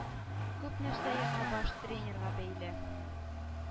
Күп нәрсә яңа баш тренерга бәйле.